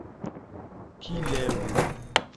“Kí lẹ rò?